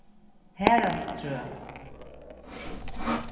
haraldstrøð